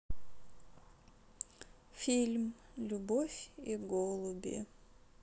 фильм любовь и голуби